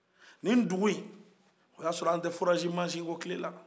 nin dugu in o y a sɔrɔ an tɛ forazi masin ko tile la